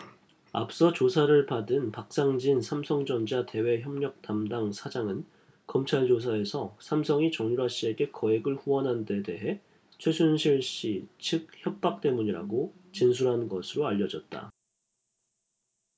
앞서 조사를 받은 박상진 삼성전자 대외협력담당 사장은 검찰조사에서 삼성이 정유라씨에게 거액을 후원한 데 대해 최순실씨 측 협박 때문이라고 진술한 것으로 알려졌다